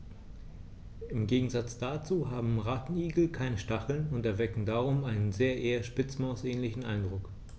Im Gegensatz dazu haben Rattenigel keine Stacheln und erwecken darum einen eher Spitzmaus-ähnlichen Eindruck.